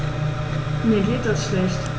Mir geht es schlecht.